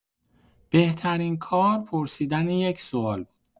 بهترین کار پرسیدن یک سوال بود.